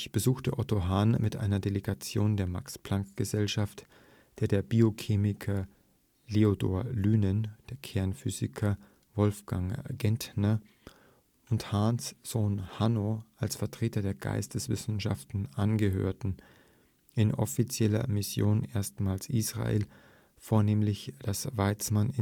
besuchte Otto Hahn mit einer Delegation der Max-Planck-Gesellschaft, der der Biochemiker Feodor Lynen, der Kernphysiker Wolfgang Gentner und Hahns Sohn Hanno als Vertreter der Geisteswissenschaften angehörten, in offizieller Mission erstmals Israel, vornehmlich das Weizmann